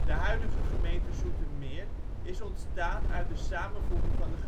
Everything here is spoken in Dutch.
huidige gemeente Zoetermeer is ontstaan uit de samenvoeging van de